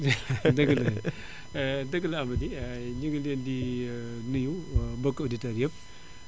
dëgg la dëgg la Amady ñu ngi leen di nuyu mbokki auditeurs yëpp